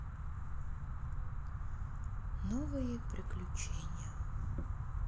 новые приключения